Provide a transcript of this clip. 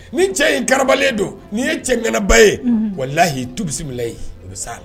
Ni cɛ in karalen don nini ye cɛganaba ye wala la'i tu bisimila o bɛ saa la